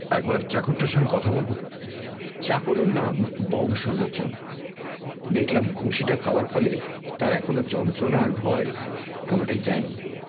একবার চাকরটার সঙ্গে কথা বলব চাকরের নাম বংশলোচন দেখলাম ঘুষিটা খাওয়ার ফলে তার এখনও যন্ত্রণা আর ভয় কোনওটাই যায়নি